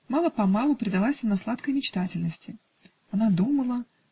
Мало-помалу предалась она сладкой мечтательности. Она думала.